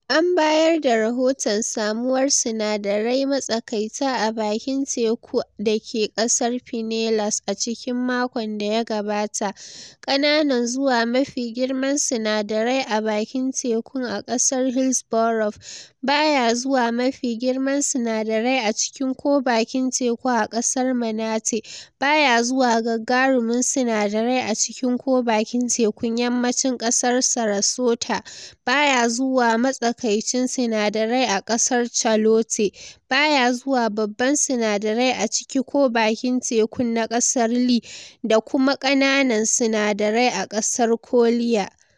An bayar da rahoton samuwar sinadarai matsakaita a bakin teku da ke kasar Pinellas a cikin makon da ya gabata, ƙananan zuwa mafi girman sinadarai a bakin tekun a ƙasar Hillsborough, baya zuwa mafi girman sinadarai a cikin ko bakin teku a ƙasar Manatee, baya zuwa gagarumin sinadarai a cikin ko bakin tekun yammacin ƙasar Sarasota, baya zuwa matsakaicin sinadarai a ƙasar Charlotte, baya zuwa babban sinadarai a ciki ko bakin tekun na ƙasar Lee, da kuma ƙananan sinadarai a ƙasar Collier.